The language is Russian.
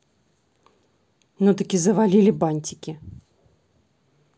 ну таки завалили бантики